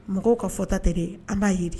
Mɔgɔw ka fɔta tɛ dɛ an b'a ye